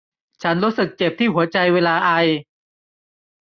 ฉันรู้สึกเจ็บที่หัวใจเวลาไอ